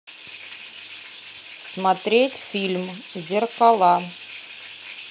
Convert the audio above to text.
смотреть фильм зеркала